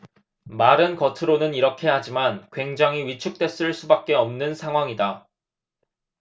말은 겉으로는 이렇게 하지만 굉장히 위축됐을 수밖에 없는 상황이다